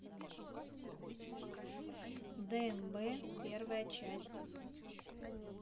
дмб первая часть